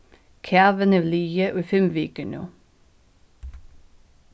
kavin hevur ligið í fimm vikur nú